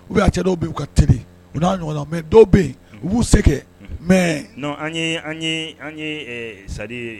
U' cɛ dɔw bi uu ka te u'a ɲɔgɔn la mɛ dɔw bɛ yen u b'u se kɛ mɛ an ye sa